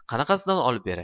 qanaqasini oberay